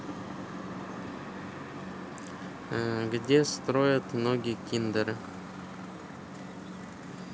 где строят ноги киндеры